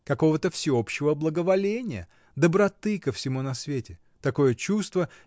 Какого-то всеобщего благоволения, доброты ко всему на свете, — такое чувство